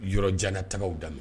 Yɔrɔ janka tagaw dan